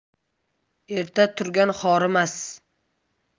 erta turgan horimas